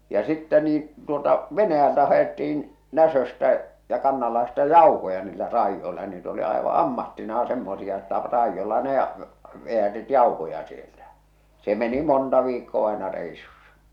ja sitten niin tuolta Venäjältä haettiin Näsöstä ja Kannanlahdesta jauhoja niillä raidoilla niitä oli aivan ammattinaan semmoisia että raidolla ne - vedättivät jauhoja sieltä se meni monta viikkoa aina reissussa